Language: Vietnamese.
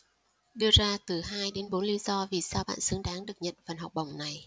đưa ra từ hai đến bốn lý do vì sao bạn xứng đáng được nhận phần học bổng này